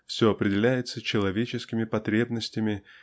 все определяется человеческими потребностями